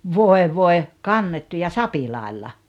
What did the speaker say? voi voi kannettu ja sapilailla